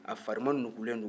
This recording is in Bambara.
a fari manugulen don